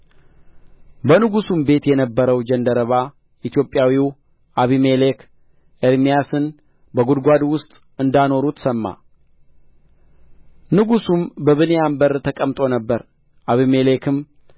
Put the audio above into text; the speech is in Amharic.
በንጉሡም ቤት የነበረው ጃንደረባ ኢትዮጵያዊው አቤሜሌክ ኤርምያስን በጕድጓዱ ውስጥ እንዳኖሩት ሰማ ንጉሡም በብንያም በር ተቀምጦ ነበር አቤሜሌክም